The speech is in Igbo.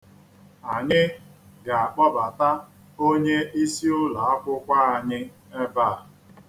Anyị ga-akpọbata onyeisi ụlọakwụkwọ anyị ebe a.